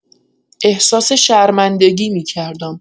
احساس شرمندگی می‌کردم.